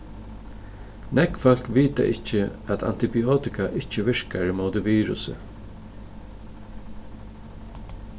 nógv fólk vita ikki at antibiotika ikki virkar ímóti virusi